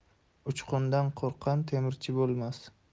uchqundan qo'rqqan temirchi bo'lmas